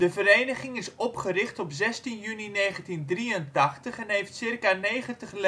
vereniging is opgericht op 16 juni 1983 en heeft circa 90 leden. Leden